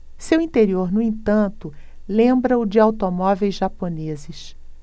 seu interior no entanto lembra o de automóveis japoneses